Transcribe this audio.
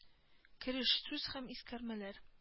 Кереш сүз һәм искәрмәләр